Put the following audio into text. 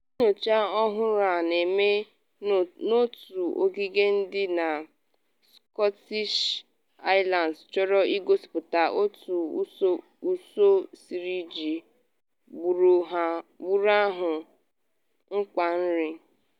Nyocha ọhụrụ a an-eme n’otu ogige dị na Scottish Highlands chọrọ igosipụta otu ụsụ siri eji gburgburu ahụ akpa nri.